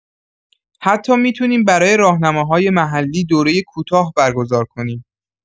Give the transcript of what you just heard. حتی می‌تونیم برای راهنماهای محلی دورۀ کوتاه برگزار کنیم.